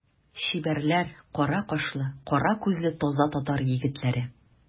Чибәрләр, кара кашлы, кара күзле таза татар егетләре.